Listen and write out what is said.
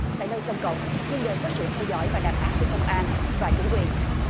tại nơi công cộng nhưng đều có sự theo dõi và đàn áp của công an và chính quyền